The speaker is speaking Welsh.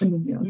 Yn union.